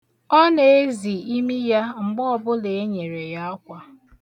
Ọ na-ezi imi ya mgbe ọbụla enyere ya akwa.